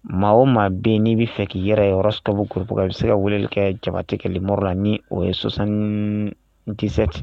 Maa o maa bɛn n'i b bɛa fɛ k'i yɛrɛ ye yɔrɔs sababubu kuruurp a u bɛ se ka weleli kɛ jabatigɛ kɛli la ni o ye sɔsan7sɛti